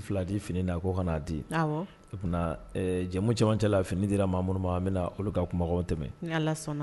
Fila di fini na ko di jɛmu camancɛ la fini dira mɔgɔ minnu ma an bɛ olu ka kuma tɛmɛ